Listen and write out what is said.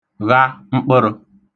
gha mkə̣rə̣